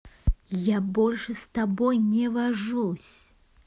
я больше с тобой не вожусь